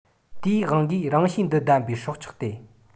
དེའི དབང གིས རང གཤིས འདི ལྡན པའི སྲོག ཆགས ཏེ